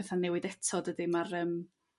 petha'n newid eto dydy ma'r yrm